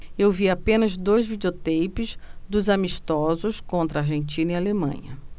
eu vi apenas dois videoteipes dos amistosos contra argentina e alemanha